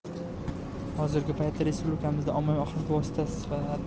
hozirgi paytda respublikamizda ommaviy axborot vositasi